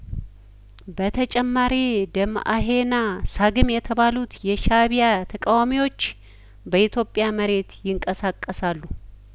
በተጨማሬ ደመአሄና ሳግም የተባሉት የሻእቢያ ተቃዋሚዎች በኢትዮጵያ መሬት ይንቀሳቀሳሉ